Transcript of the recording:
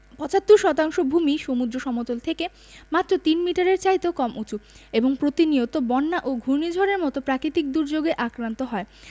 ৭৫ শতাংশ ভূমিই সমুদ্র সমতল থেকে মাত্র তিন মিটারের চাইতেও কম উঁচু এবং প্রতিনিয়ত বন্যা ও ঘূর্ণিঝড়ের মতো প্রাকৃতিক দুর্যোগে আক্রান্ত হয়